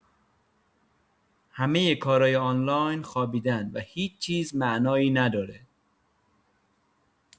همه کارای آنلاین خوابیدن و هیچ چیزی معنایی نداره.